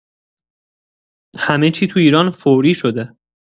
همه‌چی تو ایران «فوری» شده.